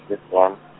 ke tswana.